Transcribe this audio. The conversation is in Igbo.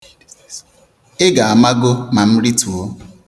Ị ga-amago ma m rituo.